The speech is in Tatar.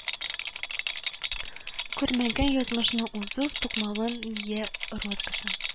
Күрмәгән язмышның ул зур тукмагын йә розгасын,